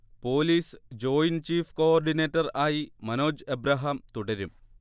police joint chief coordinator ആയി മനോജ് എബ്രഹാം തുടരും